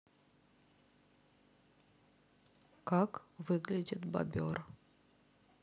как выглядит бобер